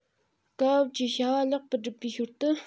སྐབས བབ ཀྱི བྱ བ ལེགས པར སྒྲུབ པའི ཞོར དུ